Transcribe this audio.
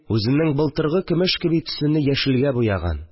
Үзенең былтыргы көмеш кеби төсене яшелгә буяган